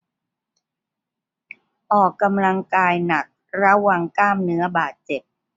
ออกกำลังกายหนักระวังกล้ามเนื้อบาดเจ็บ